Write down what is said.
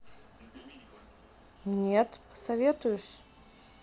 нет посоветуешь